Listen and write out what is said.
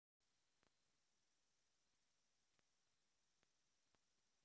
гляди веселей